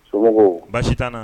Somɔgɔw baasi t'an na.